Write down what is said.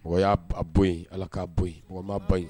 Mɔgɔ y'a bɔ bɔ yen, Ala k'a bɔ yen, mɔgɔ ma bɔ yen